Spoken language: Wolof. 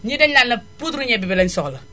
ñii dañu naan la poudre ñebe bi la ñu soxla